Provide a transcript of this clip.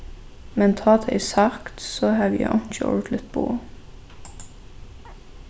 men tá tað er sagt so havi eg einki ordiligt boð